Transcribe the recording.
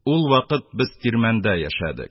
Ул вакыт без тирмәндә яшәдек